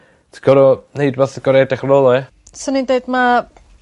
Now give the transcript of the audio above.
ti gor'o' neud fatha gor'o' edrych yn rywle. Swn i'n deud ma'